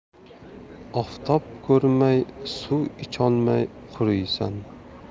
oftob ko'rmay suv icholmay quriysan